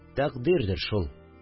Тәкъдирдер шул